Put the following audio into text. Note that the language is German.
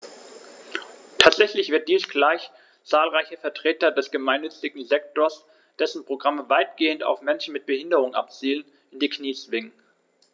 Tatsächlich wird dies gleich zahlreiche Vertreter des gemeinnützigen Sektors - dessen Programme weitgehend auf Menschen mit Behinderung abzielen - in die Knie zwingen.